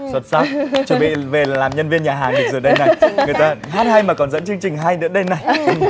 xuất xắc chuẩn bị về làm nhân viên nhà hàng được rồi đây này người ta còn hát hay mà còn dẫn chương trình hay nữa đây này